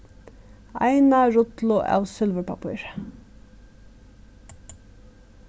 eina rullu av silvurpappíri